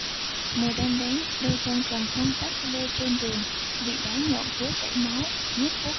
mùa đông đến đôi chân trần không tất lê trên đường bị đá nhọn cứa chảy máu nhức buốt